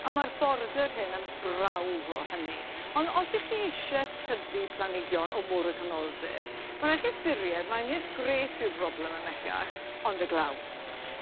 a ma'r border hyn yn brawf o hynny on' os 'ych chi isie tyfu planhigion o môr y canoldir ma' rhai' chi ystyried mai nid gwres yw'r broblem ymellach ond y glaw.